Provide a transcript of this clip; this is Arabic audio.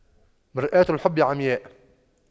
مرآة الحب عمياء